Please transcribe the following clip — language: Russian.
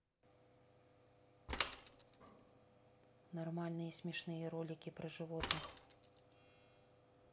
нормальные смешные ролики про животных